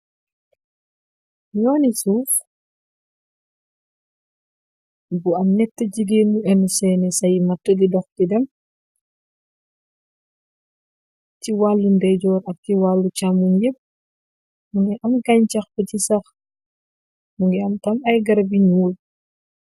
Yooni suuf bu am ñett jigeen yu enu seeni sayi matt di dox di dem, ci wàllindey joor ak ci wàllu càmmuñ yépp, munga am ay gañcax gu ci sax, mu ngi am tam ay garab yu ñuul.